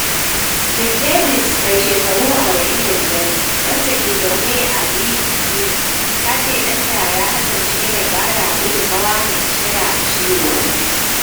Ms Davis, mai shekaru 45, wacce ke zaune a Lydney, ta ce ɗanta ya kasance mai ba da gudummawa mai cike da ciwo.